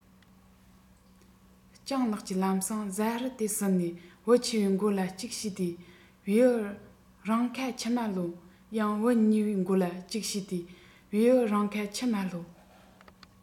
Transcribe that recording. སྤྱང ལགས ཀྱིས ལམ སེང བཟའ རུ དེ ཟིན ནས བུ ཆེ བའི མགོ ལ གཅིག ཞུས ཏེ བེའུ རང ཁ ཆུ མ གློད ཡང བུ གཉིས པའི མགོ ལ གཅིག ཞུས ཏེ བེའུ རང ཁ ཆུ མ གློད